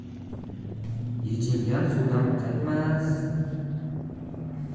yechingan suvdan qaytmas